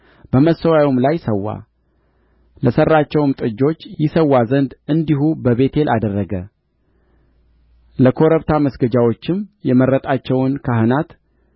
በመሠዊያውም ላይ ሠዋ ለሠራቸውም ጥጆች ይሠዋ ዘንድ እንዲሁ በቤቴል አደረገ ለኮረብታ መስገጃዎችም የመረጣቸውን ካህናት በቤቴል አኖራቸው በስምንተኛውም ወር በአሥራ አምስተኛው ቀን በልቡ ባሰበው ቀን